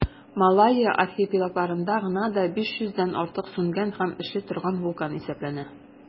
Малайя архипелагында гына да 500 дән артык сүнгән һәм эшли торган вулкан исәпләнә.